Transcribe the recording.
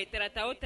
A taa o